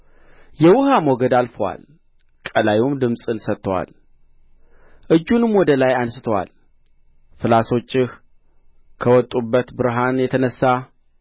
የውኃ ሞገድ አልፎአል ቀላዩም ድምፁን ሰጥቶአል እጁንም ወደ ላይ አንሥቶአል ፍላጾችህ ከወጡበት ብርሃን የተነሣ